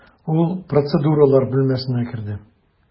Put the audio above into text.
Ул процедуралар бүлмәсенә керде.